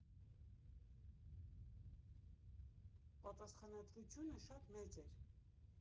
Պատասխանատվությունը շատ մեծ էր։